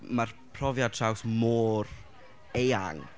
Mae'r profiad traws mor eang.